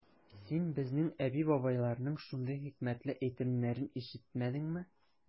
Син безнең әби-бабайларның шундый хикмәтле әйтемнәрен ишетмәдеңме?